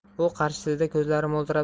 u qarshisida ko'zlari mo'ltirab